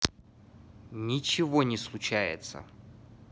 ничто не случается